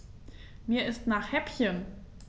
Mir ist nach Häppchen.